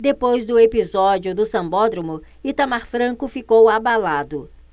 depois do episódio do sambódromo itamar franco ficou abalado